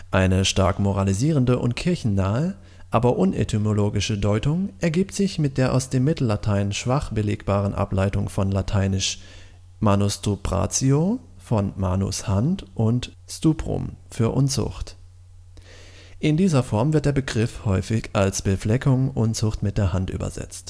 eine stark moralisierende und kirchennahe, aber unetymologische Deutung ergibt sich mit der aus dem Mittellatein schwach belegbaren Ableitung von lateinisch manustupratio (von manus „ Hand “und stuprum „ Unzucht “). In dieser Form wird der Begriff häufig als „ Befleckung, Unzucht mit der Hand “übersetzt